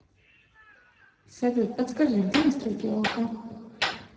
салют подскажи где настройки okko